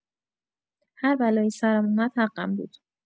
هر بلایی سرم اومد حقم بود.